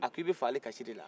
a ko i bɛ fagali kasin de la wa